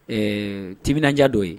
Ɛɛ timinadiya dɔ ye